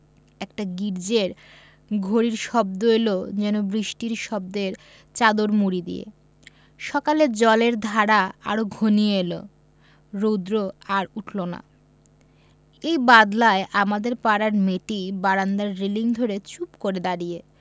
আর গির্জ্জের ঘড়ির শব্দ এল যেন বৃষ্টির শব্দের চাদর মুড়ি দিয়ে সকালে জলের ধারা আরো ঘনিয়ে এল রোদ্র আর উঠল না এই বাদলায় আমাদের পাড়ার মেয়েটি বারান্দায় রেলিঙ ধরে চুপ করে দাঁড়িয়ে